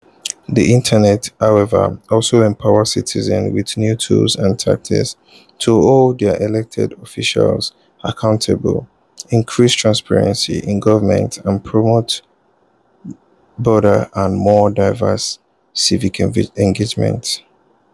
The Internet, however, also empowers citizens with new tools and tactics to hold their elected officials accountable, increase transparency in government, and promote broader and more diverse civic engagement.